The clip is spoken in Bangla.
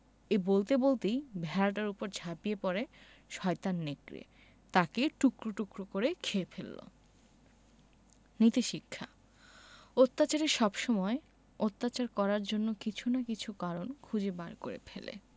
এই বলতে বলতেই ভেড়াটার উপর ঝাঁপিয়ে পড়ে শয়তান নেকড়ে তাকে টুকরো টুকরো করে খেয়ে ফেলল নীতিশিক্ষাঃ অত্যাচারী সবসময়ই অত্যাচার করার জন্য কিছু না কিছু কারণ খুঁজে বার করে ফেলে